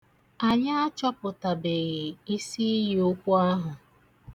Anyị achọpụtabeghị isiiyi okwu ahụ.